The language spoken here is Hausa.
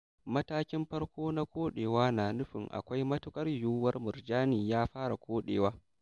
Matakin Farko na Koɗewa na nufin akwai matuƙar yiwuwar miurjani ya fara koɗewa.